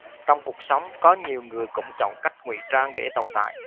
trong cuộc sống có nhiều người cũng chọn cách ngụy trang để tồn tại